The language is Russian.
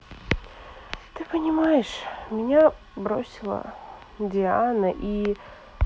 ты понимаешь меня бросила диана и